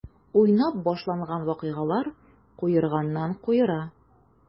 Уйнап башланган вакыйгалар куерганнан-куера.